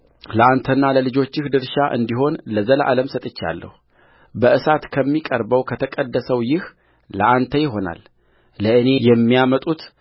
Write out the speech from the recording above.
ለአንተና ለልጆችህ ድርሻ እንዲሆን ለዘላለም ሰጥቼሃለሁበእሳት ከሚቀርበው ከተቀደሰው ይህ ለአንተ ይሆናል ለእኔ የሚያመጡት